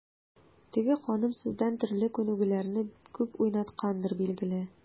Теге ханым сездән төрле күнегүләрне күп уйнаткандыр, билгеле.